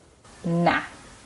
Na.